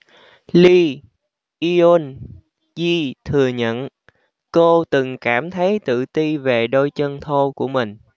lee yoon ji thừa nhận cô từng cảm thấy tự ti về đôi chân thô của mình